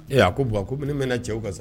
Ee a ko bɔn a ko ne mɛn cɛ cɛw ka sa